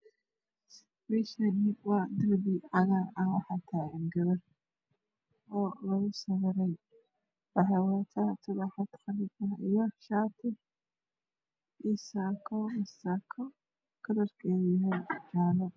Me Shani wa dar bi cagar ah waxa taagan gabar Ola gusawiray waxey wadata turaxad qalin ah iyo shati iya saako kalar kedu uyahay jaalo